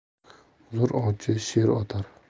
zo'r ovchi sher otar